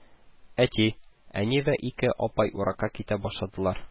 Әти, әни вә ике апай уракка китә башладылар